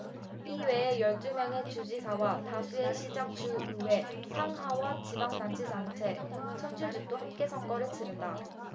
이외에 열 두 명의 주지사와 다수의 시장 주 의회 상 하원 지방자치단체 선출직도 함께 선거를 치른다